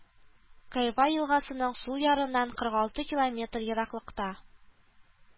Койва елгасының сул ярыннан кырык алты километр ераклыкта